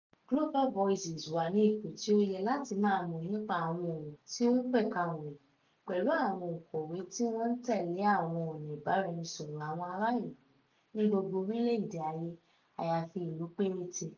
Global Voices wà ní ipò tí ó yẹ láti máa mọ̀ nípa àwọn ọ̀ràn tí ó pẹ̀ka wọ̀nyí pẹ̀lú àwọn ọ̀ǹkọ̀wé tí wọ́n ń tẹ́lẹ̀ àwọn ọ̀nà ìbáraẹnisọ̀rọ̀ àwọn ará ìlù ní gbogbo orílẹ̀-èdè ayé àyàfi ìlú péréte.